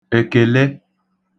èkèle